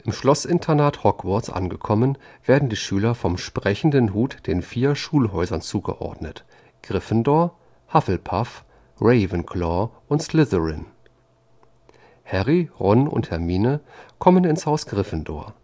Schloss-Internat Hogwarts angekommen, werden die Schüler vom Sprechenden Hut den vier Schulhäusern zugeordnet: Gryffindor, Hufflepuff, Ravenclaw und Slytherin. Harry, Ron und Hermine kommen ins Haus Gryffindor